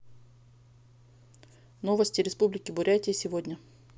новости республики бурятии сегодня